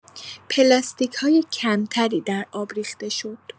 پلاستیک‌های کم‌تری در آب ریخته شد.